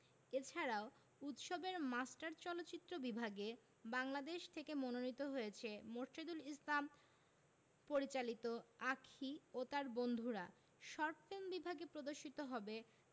এছাড়াও উৎসবের মাস্টার চলচ্চিত্র বিভাগে বাংলাদেশ থেকে মনোনীত হয়েছে মোরশেদুল ইসলাম পরিচালিত আঁখি ও তার বন্ধুরা শর্ট ফিল্ম বিভাগে প্রদর্শিত হবে